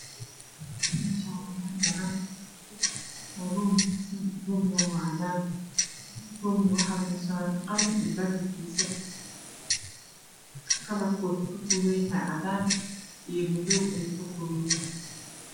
Mashan waa mel banan ah waxaa kufisan roog kalar kisi waa cadan rooga waxaa saran qalin iyo baaka kalar kisi waa cadan iyo madow